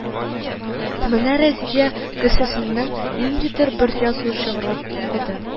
Менә Разия кесәсеннән ниндидер бер язу чыгарып укыды